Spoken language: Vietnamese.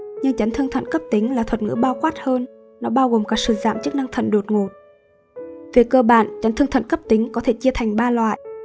nhưng chấn thương thận cấp tính là thuật ngữ bao quát hơn nó bao gồm cả sự giảm chức năng thận đột ngột về cơ bản chấn thương thận cấptính có thể chia thành loại